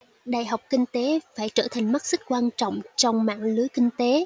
đại học kinh tế phải trở thành mắt xích quan trọng trong mạng lưới kinh tế